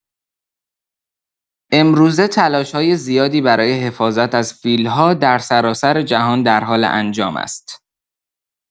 امروزه، تلاش‌های زیادی برای حفاظت از فیل‌ها در سراسر جهان در حال انجام است.